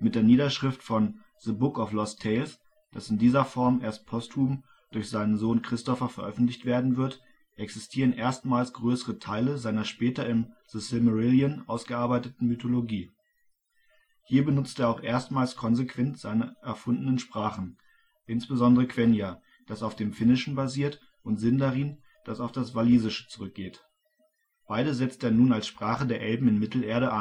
der Niederschrift von The Book of Lost Tales, das in dieser Form erst postum durch seinen Sohn Christopher veröffentlicht werden wird, existieren erstmals größere Teile seiner später im The Silmarillion ausgearbeiteten Mythologie. Hier benutzt er auch erstmals konsequent seine erfundenen Sprachen, insbesondere Quenya, das auf dem Finnischen basiert und Sindarin, das auf das Walisische zurückgeht. Beide setzt er nun als Sprache der Elben in Mittelerde